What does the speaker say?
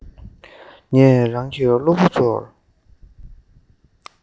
ངས རང གི སློབ བུ ཚོར